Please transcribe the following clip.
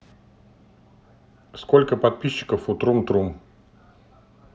сколько подписчиков у трум трум